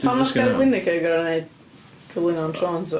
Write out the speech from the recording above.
Pam ma' Gary Lineker yn gwneud... cyflwyno yn trôns fo?